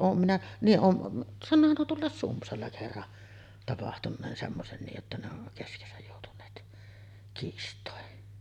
olen minä niin olen - sanoohan nuo tuolla Sumpsalla kerran tapahtuneen semmoisen niin että ne on keskenänsä joutuneet kiistoihin